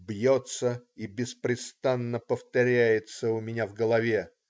бьется и беспрестанно повторяется у меня в голове.